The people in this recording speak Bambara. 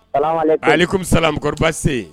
Ale kɔmimi salase